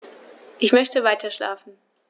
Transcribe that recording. Ich möchte weiterschlafen.